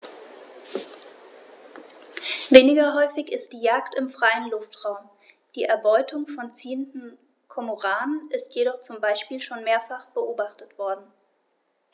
Weniger häufig ist die Jagd im freien Luftraum; die Erbeutung von ziehenden Kormoranen ist jedoch zum Beispiel schon mehrfach beobachtet worden.